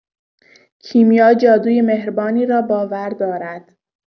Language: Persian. کیمیا جادوی مهربانی را باور دارد.